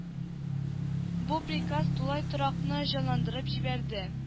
Бу приказ тулай торакны җанландырып җибәрде